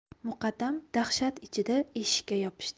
muqaddam dahshat ichida eshikka yopishdi